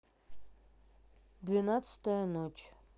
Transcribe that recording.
двенадцатая ночь